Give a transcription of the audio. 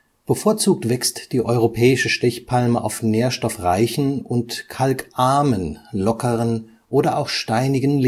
Bevorzugt wächst die Europäische Stechpalme auf nährstoffreichen und kalkarmen, lockeren oder auch steinigen